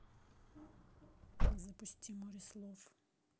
запусти море слов